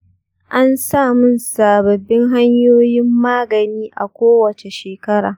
an samun sababbin hanyoyin magani a kowace shekara.